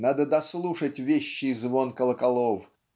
надо дослушать вещий звон колоколов